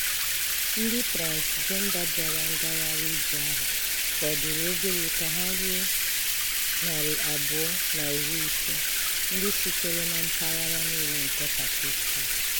Ndị transịjenda bịara ngagharị ije ahụ fọdụrụ obere ka ha ruo 250 ndị sitere na mpaghara niile nke Pakistan.